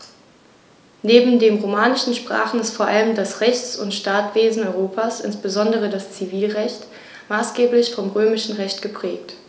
Neben den romanischen Sprachen ist vor allem das Rechts- und Staatswesen Europas, insbesondere das Zivilrecht, maßgeblich vom Römischen Recht geprägt.